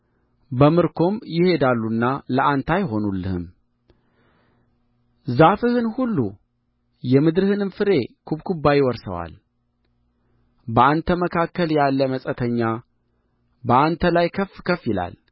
በምርኮም ይሄዳሉና ለአንተ አይሆኑልህም ዛፍህን ሁሉ የምድርህንም ፍሬ ኩብኩባ ይወርሰዋል በአንተ መካከል ያለ መጻተኛ በአንተ ላይ ከፍ ከፍ ይላል